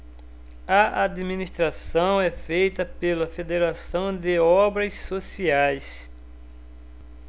a administração é feita pela fos federação de obras sociais